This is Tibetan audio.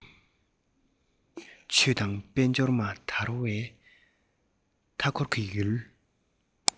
ཆོས དང དཔལ འབྱོར མ དར བའི མཐའ འཁོར གྱི ཡུལ